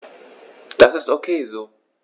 Das ist ok so.